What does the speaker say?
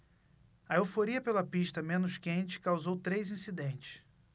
a euforia pela pista menos quente causou três incidentes